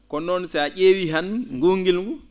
ko noon si a ?eewii han nguun ngilngu